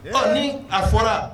Ɔ ni a fɔra